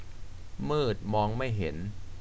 มืดมองไม่เห็น